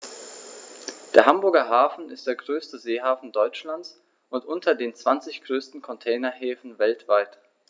Der Hamburger Hafen ist der größte Seehafen Deutschlands und unter den zwanzig größten Containerhäfen weltweit.